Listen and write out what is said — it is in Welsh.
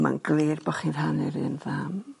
Ma'n glir bo' chi'n rhannu'r un fam.